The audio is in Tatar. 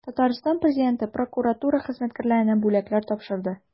Татарстан Президенты прокуратура хезмәткәрләренә бүләкләр тапшырды.